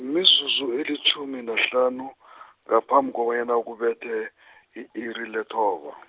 mizuzu elitjhumi nahlanu , ngaphambi kobanyana kubethe , i-iri lethoba.